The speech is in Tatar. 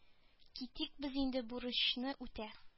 Китик без инде бурычны үтә